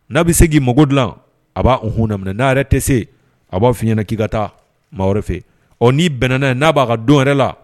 N'a bɛ se k'i mako dilan a b'a unhun laminɛ, n'a yɛrɛ tɛ se, a b'a f'i ɲɛna k'i ka taa maa wɛrɛ fɛ yen, ɔ ni bɛnna n'a ye, n'a b'a ka don yɛrɛ la